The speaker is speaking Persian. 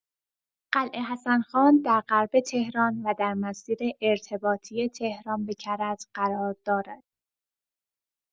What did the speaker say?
قلعه حسن‌خان در غرب تهران و در مسیر ارتباطی تهران به کرج قرار دارد.